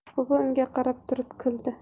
mahbuba unga qarab turib kuldi